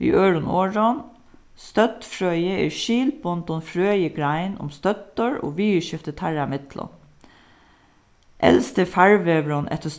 við øðrum orðum støddfrøði er skilbundin frøðigrein um støddir og viðurskifti teirra millum elsti farvegurin eftir